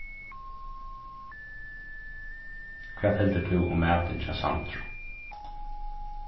hvat heldur tú um matin hjá sandru